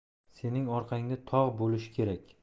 sening orqangda tog' bo'lishi kerak